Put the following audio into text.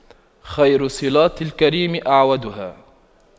خير صِلاتِ الكريم أَعْوَدُها